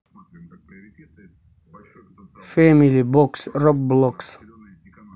фэмили бокс роблокс